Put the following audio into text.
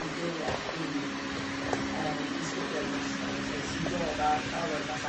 i glywed gin yym disgyblion yr ysgol felly sy'n dod ar ardaloedd 'falla'